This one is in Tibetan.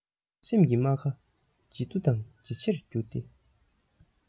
སེམས ཀྱི རྨ ཁ ཇེ ཐུ དང ཇེ ཆེར གྱུར ཏེ